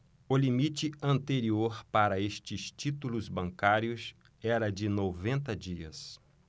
o limite anterior para estes títulos bancários era de noventa dias